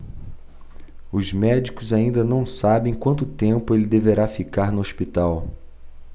os médicos ainda não sabem quanto tempo ele deverá ficar no hospital